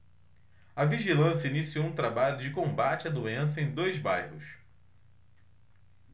a vigilância iniciou um trabalho de combate à doença em dois bairros